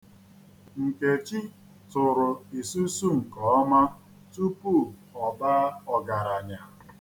Nkechi tụrụ isusu nke ọma tupu ọ baa ọgaranya.